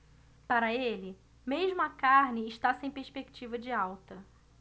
para ele mesmo a carne está sem perspectiva de alta